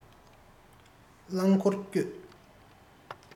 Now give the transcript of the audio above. རླང འཁོར བསྐྱོད